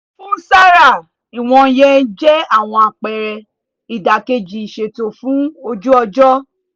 Fún Sarah, ìwọ̀nyẹn jẹ́ àwọn àpẹẹrẹ "ìdàkejì ìṣẹ̀tọ́ fún ojú-ọjọ́".